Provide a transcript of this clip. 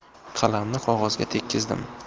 qalamni qog'ozga tekkizdim